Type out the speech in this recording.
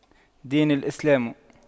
ديني الإسلام